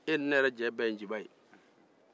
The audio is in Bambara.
e ni ne yɛrɛ jɛ ye nciba ye